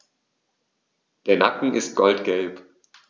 Der Nacken ist goldgelb.